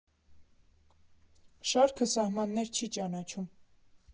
Շարքը սահմաններ չի ճանաչում։